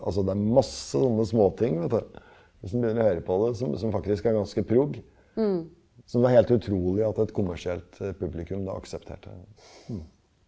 altså det er masse sånne småting vet du, hvis man begynner å høre på det, som som faktisk er ganske prog som det er helt utrolig at et kommersielt publikum da aksepterte .